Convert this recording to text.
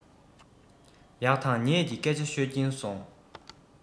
ཡག དང ཉེས ཀྱི སྐད ཆ ཤོད ཀྱིན སོང